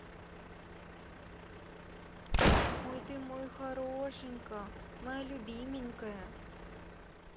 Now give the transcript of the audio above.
ой ты мой хорошенька моя любименькая